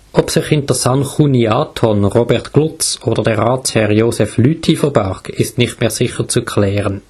Ob sich hinter „ Sanchuniathon “Robert Glutz oder der Ratsherr Joseph Lüthy verbarg, ist nicht mehr sicher zu klären